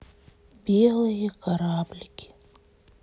белые кораблики